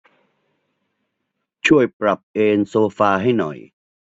ช่วยปรับเอนโซฟาให้หน่อย